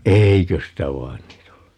eiköstä vain niitä ollut